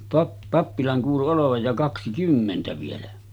- pappilan kuului olevan ja kaksikymmentä vielä